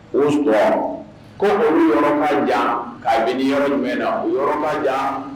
O sɔrɔ ko yɔrɔ ja a bɛ ni yɔrɔ jumɛn na o yɔrɔ ma ja